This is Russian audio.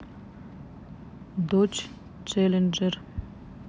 дочь челленджер